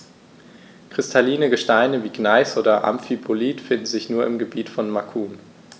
Kristalline Gesteine wie Gneis oder Amphibolit finden sich nur im Gebiet von Macun.